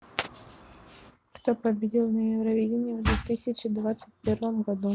кто победил на евровидении в двух тысячи двадцать первом году